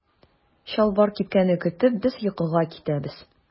Чалбар кипкәнне көтеп без йокыга китәбез.